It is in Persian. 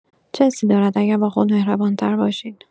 چه حسی دارد اگر با خود مهربان‌تر باشید؟